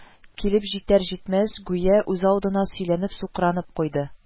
Килеп җитәр-җитмәс, гүя үзалдына сөйләнеп-сукранып куйды: